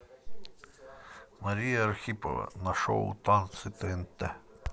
мария архипова на шоу танцы тнт